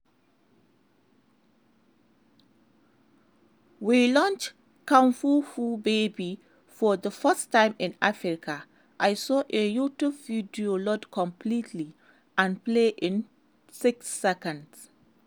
We launched Kung Fu baby and for the first time in Africa, I saw a YouTube video load completely and play in 6 seconds.